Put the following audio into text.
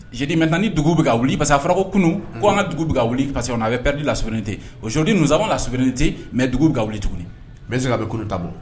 Jdi mɛtanani dugu bɛ ka wuli pa fara kunun k ko anan ka dugu bɛ ka wuli pasa a bɛ pɛridi la sin tɛ ocondi ninnusa la sfin tɛ mɛ dugu ka wuli tuguni mɛ se a bɛ kulu ta bɔ